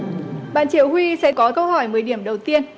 bạn triệu huy sẽ có câu hỏi mười điểm đầu tiên